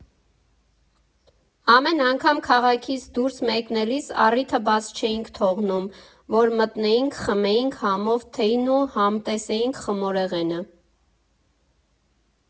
Ամեն անգամ քաղաքից դուրս մեկնելիս առիթը բաց չէինք թողնում, որ մտնեինք, խմեինք համով թեյն ու համտեսեինք խմորեղենը։